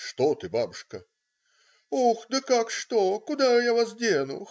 "Что ты, бабушка?" - "Ох, да как что? Куда я вас дену?